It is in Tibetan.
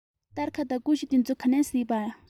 སྟར ཁ དང ཀུ ཤུ དེ ཚོ ག ནས གཟིགས པ